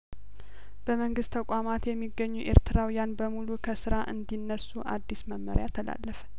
በመንግስት ተቋማት የሚገኙ ኤርትራውያን በሙሉ ከስራ እንዲ ነሱ አዲስ መመሪያተላለፈ